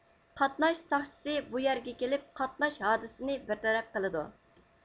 قاتناش ساقچىسى بۇ يەرگە كېلىپ قاتناش ھادىسىنى بىر تەرەپ قىلىدۇ